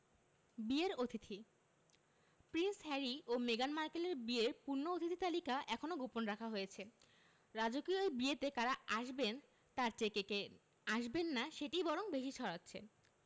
বিয়ের অতিথি prince Harry ও মেগান মার্কেলের বিয়ের পূর্ণ অতিথি তালিকা এখনো গোপন রাখা হয়েছে রাজকীয় এই বিয়েতে কারা আসবেন তার চেয়ে কে কে আসবেন না সেটিই বরং বেশি ছড়াচ্ছে